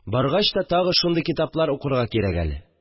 Баргач та, тагы шундый китаплар укырга кирәк әле